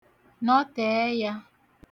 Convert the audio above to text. nọtè ẹyā